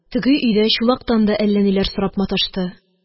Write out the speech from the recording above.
Теге өйдә чулактан да әллә ниләр сорап маташты